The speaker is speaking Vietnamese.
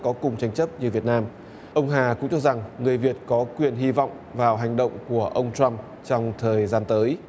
có cùng tranh chấp như việt nam ông hà cũng cho rằng người việt có quyền hy vọng vào hành động của ông trăm trong thời gian tới